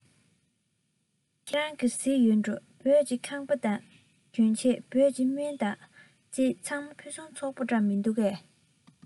ཁྱེད རང གིས གཟིགས ཡོད འགྲོ བོད ཀྱི ཁང པ དང གྱོན ཆས བོད ཀྱི སྨན དང རྩིས ཚང མ ཕུན སུམ ཚོགས པོ འདྲས མི འདུག གས